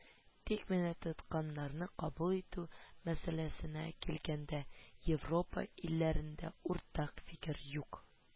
Тик менә тоткыннарны кабул итү мәсьәләсенә килгәндә, Европа илләрендә уртак фикер юк